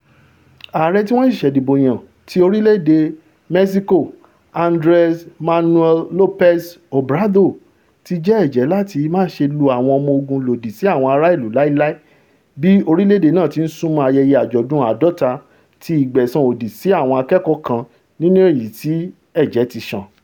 Ààrẹ-tíwọnṣẹ̀ṣẹ̀-dìbòyàn ti orílẹ̀-èdè Mẹ́ṣíkò Andres Manuel Lopez Obrador ti jẹ́ ẹ̀jẹ́ láti máṣe lo àwọn ọmọ ogun lòdì sí àwọn ara ìlú láíláí bí orílẹ̀-èdè náà ti ńsúnmọ́ ayẹyẹ àjọ̀dún àádọ́tá ti ìgbẹ̀san òdì sí àwọn akẹ́kọ̀ọ́ kan nínú èyití ẹ̀jẹ̀ ti sàn.